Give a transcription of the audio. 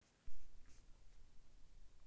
установить разрешение